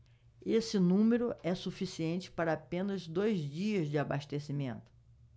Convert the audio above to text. esse número é suficiente para apenas dois dias de abastecimento